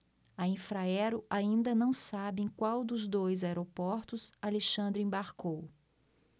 a infraero ainda não sabe em qual dos dois aeroportos alexandre embarcou